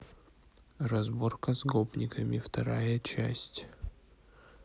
разборка с гопниками вторая часть